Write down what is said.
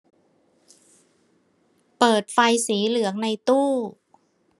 เปิดไฟสีเหลืองในตู้